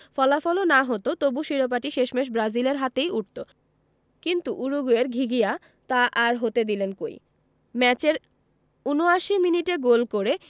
ফলাফলও না হতো তবু শিরোপাটি শেষমেশ ব্রাজিলের হাতেই উঠত কিন্তু উরুগুয়ের ঘিঘিয়া তা আর হতে দিলেন কই ম্যাচের ৭৯ মিনিটে গোল করে